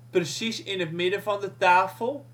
precies in het midden van de tafel